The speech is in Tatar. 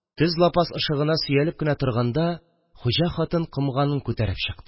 Төз лапас ышыгына сөялеп кенә торганда, хуҗа хатын комганын күтәреп чыкты